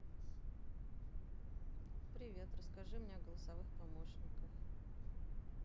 привет расскажи мне о голосовых помощниках